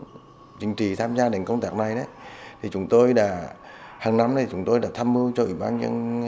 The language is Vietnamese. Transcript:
chính trị tham gia đến công tác này thì chúng tôi đã hằng năm nay chúng tôi đã tham mưu cho ủy ban nhân